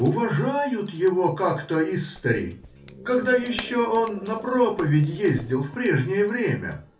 — Уважают его как-то исстари, когда еще он на проповедь ездил в прежнее время.